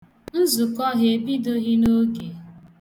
Nzụkọ ha ebidoghi n'oge.